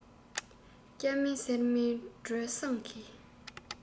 སྐྱ མིན སེར མིན སྒྲོལ བཟང གིས